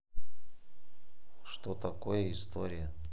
что такое история